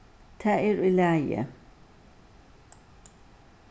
tað er í lagi